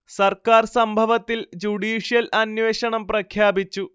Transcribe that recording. സർക്കാർ സംഭവത്തിൽ ജുഡീഷ്യൽ അന്വേഷണം പ്രഖ്യാപിച്ചു